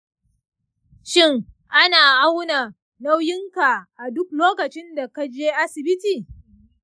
shin ana auna nauyinka a duk lokacin da ka je asibiti?